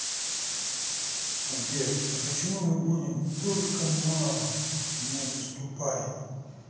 сбер а почему мы будем только мама мне не поступает